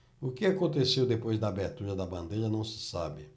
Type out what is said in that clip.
o que aconteceu depois da abertura da bandeira não se sabe